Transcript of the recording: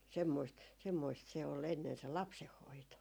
semmoista semmoista se oli ennen se lapsenhoito